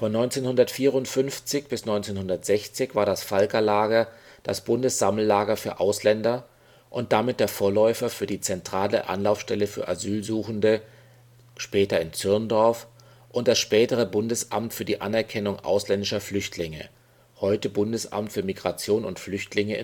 1954 bis 1960 war das Valka-Lager das Bundessammellager für Ausländer und damit der Vorläufer für die zentrale Anlaufstelle für Asylsuchende (später in Zirndorf) und das spätere Bundesamt für die Anerkennung ausländischer Flüchtlinge (heute: Bundesamt für Migration und Flüchtlinge